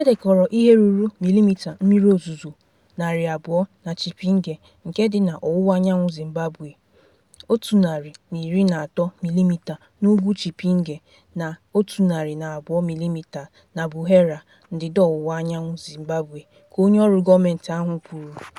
"E dekọrọ ihe ruru milimita mmiri ozuzo 200 na Chipinge [nke dị n'ọwụwaanyanwụ Zimbabwe], 118 milimita n'ugwu Chipinge, na 102 milimitas na Buhera [ndịda ọwụwaanyanwụ Zimbabwe]," ka onyeọrụ gọọmentị ahụ kwuru.